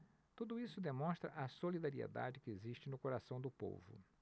tudo isso demonstra a solidariedade que existe no coração do povo